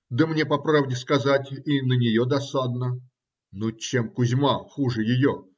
Да мне, по правде сказать, и на нее досадно: ну чем Кузьма хуже ее!